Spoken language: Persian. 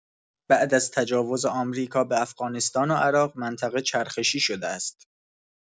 بعد از تجاوز آمریکا به افغانستان و عراق، منطقه چرخشی شده است.